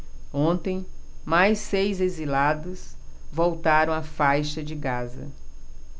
ontem mais seis exilados voltaram à faixa de gaza